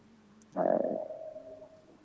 eyyi